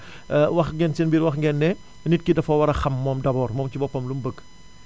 wax ngeen seen biir i wax ngeen ne nit ki dafa war a xam moom d' abord moom ci boppam lu mu bëgg